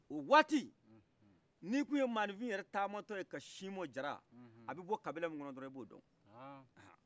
o wati ni tun ye manifin tamatɔ ye ka cin ima diara abi bɔ kabila mina kɔnɔ drɔn ibo dɔn